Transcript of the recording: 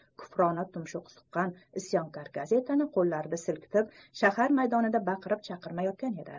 kufrona tumshuq suqqan isyonkor gazetani qo'llarida silkitib shahar maydonida baqirib chaqirmayotgan edi